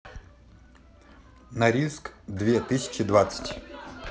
норильск две тысячи двадцать